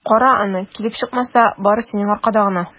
Кара аны, килеп чыкмаса, бары синең аркада гына!